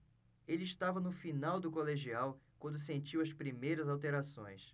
ele estava no final do colegial quando sentiu as primeiras alterações